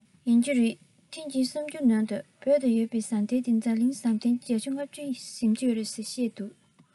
ཡིན གྱི རེད ཐེངས གཅིག གསར འགྱུར ནང དུ བོད དུ ཡོད པའི ཟངས གཏེར གྱིས འཛམ གླིང ཟངས གཏེར གྱི བརྒྱ ཆ ལྔ བཅུ ཟིན གྱི ཡོད ཟེར བཤད འདུག